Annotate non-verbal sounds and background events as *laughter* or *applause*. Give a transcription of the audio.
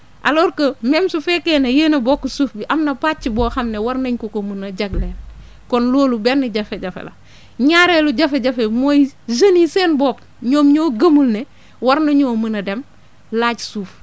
alors que même su fekkee ne yéen a bokk suuf bi am na pàcc boo xam ne war nañ ko ko mun a jagleel kon loolu benn jafe-jafe la *breath* ñaareelu jafe-jafe bi mooy jeunes yi seen bopp ñoom ñoo gëmul ne war nañoo mën a dem laaj suuf